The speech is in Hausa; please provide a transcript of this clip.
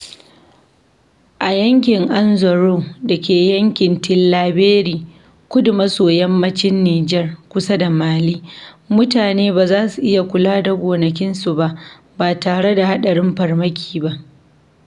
A yankin Anzourou, da ke yankin Tillabéri [kudu maso yammacin Nijar, kusa da Mali], mutane ba za su iya kula da gonakinsu ba, ba tare da haɗarin farmaki ba.